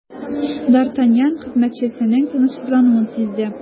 Д’Артаньян хезмәтчесенең тынычсызлануын сизде.